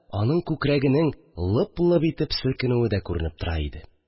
Аның күкрәкләренең лып-лып итеп селкенүе дә күренеп тора иде